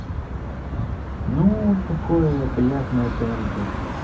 ну такое приятное тнт